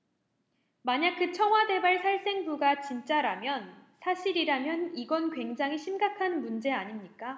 만약 그 청와대발 살생부가 진짜라면 사실이라면 이건 굉장히 심각한 문제 아닙니까